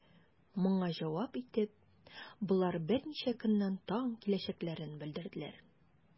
Моңа җавап итеп, болар берничә көннән тагын киләчәкләрен белдерделәр.